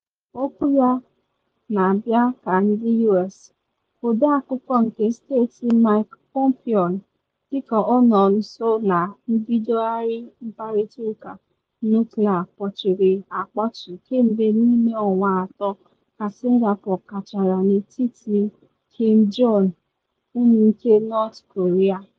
Okwu ya na abịa ka ndị US. Ọde Akwụkwọ nke Steeti Mike Pompeo dị ka ọ nọ nso na ibidogharị mkparịta ụka nuklịa kpọchiri akpọchi kemgbe n’ime ọnwa atọ ka Singapore gachara n’etiti Kim Jong Un nke North Korea.